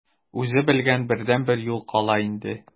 Үзе белгән бердәнбер юл кала инде.